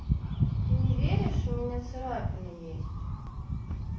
ты не веришь у меня царапина есть